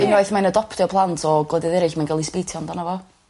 ...unwaith mae'n adoptio plant o gwledydd eryll ma'n ga'l 'i sbeitio amdano fo.